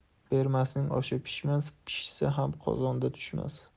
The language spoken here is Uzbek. bermasning oshi pishmas pishsa ham qozondan tushmas